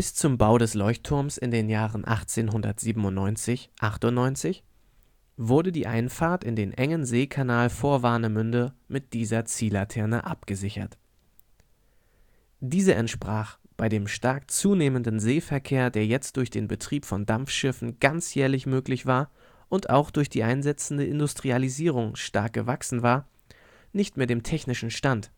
zum Bau des Leuchtturms in den Jahren 1897 / 98 wurde die Einfahrt in den engen Seekanal vor Warnemünde mit dieser Ziehlaterne abgesichert. Diese entsprach bei dem stark zunehmenden Seeverkehr, der jetzt durch den Betrieb von Dampfschiffen ganzjährig möglich war und auch durch die einsetzende Industrialisierung stark gewachsen war, nicht mehr dem technischen Stand